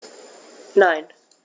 Nein.